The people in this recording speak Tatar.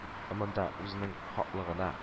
Ымында үзенең хаклыгына